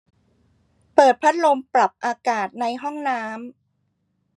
เปิดพัดลมปรับอากาศในห้องน้ำ